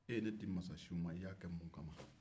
e y'e ne di masasiw ma i y'a kɛ mun ka ma